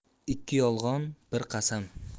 ikki yolg'on bir qasam